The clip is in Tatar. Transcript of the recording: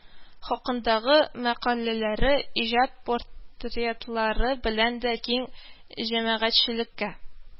Хакындагы мәкаләләре, иҗат портретлары белән дә киң җәмәгатьчелеккә